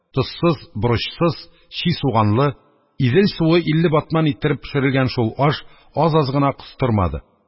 Тозсыз, борычсыз, чи суганлы, Идел суы илле батман иттереп пешерелгән шул аш аз-аз гына костырмады.